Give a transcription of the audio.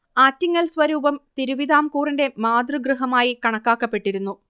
ആറ്റിങ്ങൽ സ്വരൂപം തിരുവിതാംകൂറിന്റെ മാതൃഗൃഹമായി കണക്കാക്കപ്പെട്ടിരുന്നു